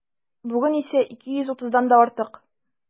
Бүген исә 230-дан да артык.